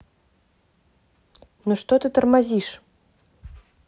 ну что ты тормозишь